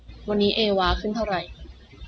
วันนี้เอวาขึ้นเท่าไหร่